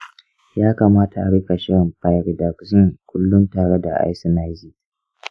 ya kamata a riƙa shan pyridoxine kullum tare da isoniazid.